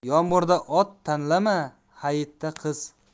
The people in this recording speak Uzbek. yomg'irda ot tanlama hayitda qiz